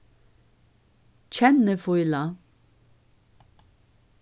kennifíla